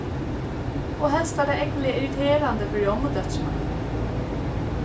og helst var tað ógvuliga irriterandi fyri ommudóttrina